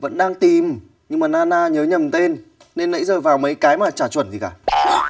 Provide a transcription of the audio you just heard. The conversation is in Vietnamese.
vẫn đang tìm nhưng mà na na nhớ nhầm tên nên nãy giờ vào mấy cái mà chả chuẩn gì cả